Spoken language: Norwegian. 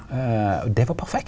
og det var perfekt.